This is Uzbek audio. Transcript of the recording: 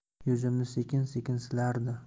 yuzimni sekin sekin silardi